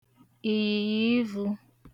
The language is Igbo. ị̀yị̀yìivū